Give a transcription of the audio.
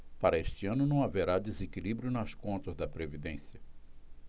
para este ano não haverá desequilíbrio nas contas da previdência